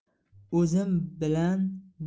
o'zim bilan bir